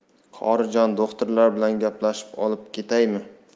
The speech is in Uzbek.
qorijon do'xtirlar bilan gaplashib olib ketaymi